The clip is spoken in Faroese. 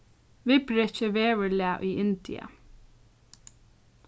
viðbrekið veðurlag í india